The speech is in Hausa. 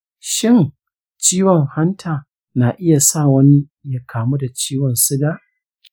shin ciwon hanta na iya sa wani ya kamu da ciwon suga?